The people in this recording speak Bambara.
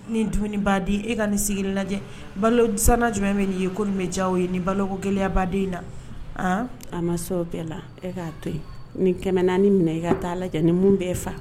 Ni dumuni b'a di e ka nin sigi lajɛ balosa jumɛn bɛ' ye ko bɛ ja ye ni balo gɛlɛyabaden la aa an ma sɔn bɛɛ la e'a to yen nin kɛmɛ naaniani minɛ i ka t taaa lajɛ ni bɛ faa